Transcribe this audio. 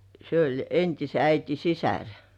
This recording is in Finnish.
se oli entisen äidin sisar